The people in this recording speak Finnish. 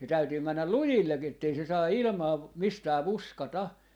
se täytyy mennä lujille että ei se saa ilmaa mistään fuskata